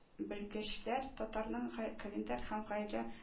Белгечләр “Татарның календарь һәм гаилә